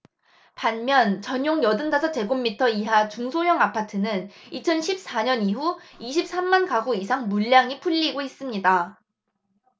반면 전용 여든 다섯 제곱미터 이하 중소형 아파트는 이천 십 사 년 이후 이십 삼 만 가구 이상 물량이 풀리고 있습니다